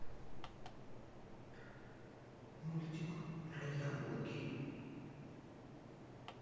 мультик про яблоки